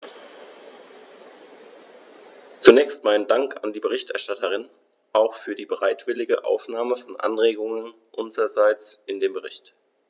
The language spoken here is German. Zunächst meinen Dank an die Berichterstatterin, auch für die bereitwillige Aufnahme von Anregungen unsererseits in den Bericht.